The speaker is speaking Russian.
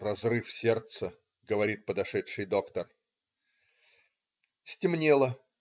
"Разрыв сердца",- говорит подошедший доктор. Стемнело.